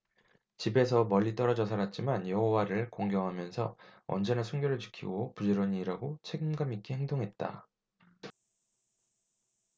집에서 멀리 떨어져 살았지만 여호와를 공경하면서 언제나 순결을 지키고 부지런히 일하고 책임감 있게 행동했다